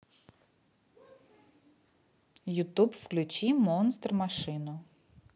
ютуб включи монстр машину